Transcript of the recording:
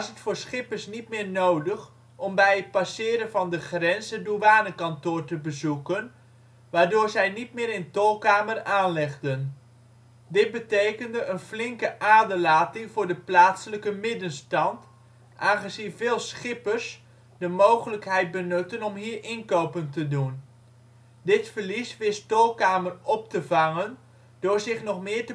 voor schippers niet meer nodig om bij het passeren van de grens het douanekantoor te bezoeken, waardoor zij niet meer in Tolkamer aanlegden. Dit betekende een flinke aderlating voor de plaatselijke middenstand, aangezien veel schippers (vrouwen) de mogelijkheid benutten hier hun inkopen te doen. Dit verlies wist Tolkamer op te vangen door zich nog meer